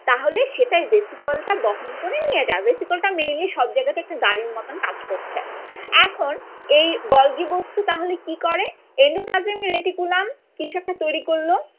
তাহলে সেটা এই ভেসিকল টা বহন করে নিয়ে যায় ভেসিকল টা মেইনলি সব জায়গাতে একটা গাড়ির মতন কাজ করছে এখন এই গলগি বস্তু তাহলে কি করে এই এন্ডোপ্লাজমিক রেটিকুলাম কিছু একটা তৈরি করল